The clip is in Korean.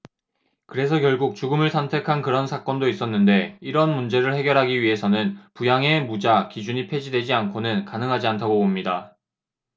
그래서 결국 죽음을 선택한 그런 사건도 있었는데 이런 문제를 해결하기 위해서는 부양의무자 기준이 폐지되지 않고는 가능하지 않다고 봅니다